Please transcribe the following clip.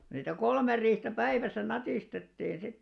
niitä kolme riihtä päivässä natistettin sitten